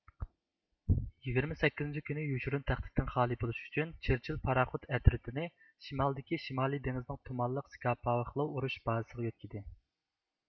يىگىرمە سەككىزىنچى كۈنى يوشۇرۇن تەھدىتتىن خالىي بولۇش ئۈچۈن چېرچىل پاراخوت ئەترىتىنى شىمالدىكى شىمالىي دېڭىزنىڭ تۇمانلىق سىكاپاۋېخلوۋ ئۇرۇش بازىسىغا يۆتكىدى